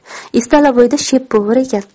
istalovoyda sheppovar ekan